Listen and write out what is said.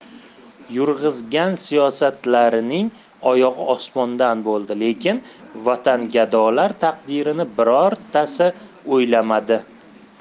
yurg'izgan siyosatlarining oyog'i osmondan bo'ldi lekin vatangadolar taqdirini birontasi o'ylamadi